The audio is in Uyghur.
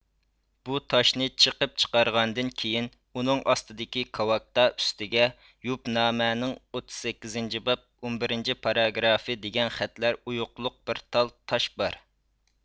بۇ تاشنى چېقىپ چىقارغاندىن كېيىن ئۇنىڭ ئاستىدىكى كاۋاكتا ئۈستىگە يوبنامە نىڭ ئوتتۇز سەككىزىنچى باب ئون بىرىنچى پاراگرافى دېگەن خەتلەر ئويۇقلۇق بىر تال تاش بار